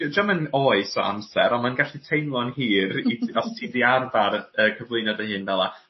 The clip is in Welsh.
jy- jiom yn oes o amser ond mae'n gallu teimlo'n hir os ti 'di arfar yy cyflwyno dy fel 'a.